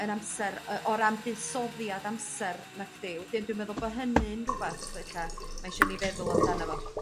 yn amser yy o ran buddsoddiad amser nacdi wedyn dwi'n meddwl bo' hynny'n rwbeth ella ma' eisio ni feddwl amdano fo.